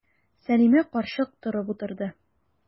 Сәлимә карчык торып утырды.